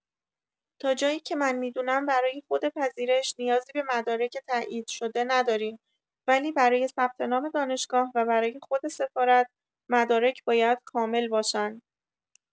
تا جایی که من می‌دونم برای خود پذیرش نیازی به مدارک تایید شده ندارین ولی برای ثبت‌نام دانشگاه و برای خود سفارت مدارک باید کامل باشن.